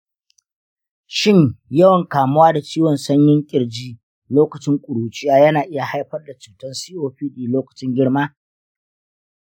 shin yawan kamuwa da ciwon sanyin ƙirji lokacin ƙuruciya yana iya haifar da cutar copd lokacin girma?